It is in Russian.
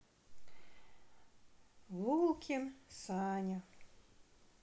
булкин саня